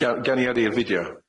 Ga- gawn ni yrru'r fideo